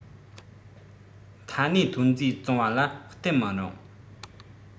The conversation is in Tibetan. མཐའ སྣེའི ཐོན རྫས བཙོང བ ལ བརྟེན མི རུང